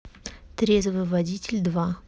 трезвый водитель два